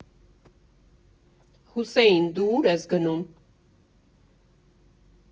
Հուսեի՛ն, դո՞ւ ուր ես գնում։